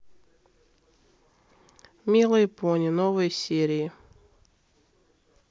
милая пони новые серии